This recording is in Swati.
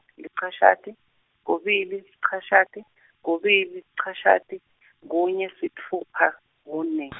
licashati kubili licashati kubili licashati kunye sitfupha kune.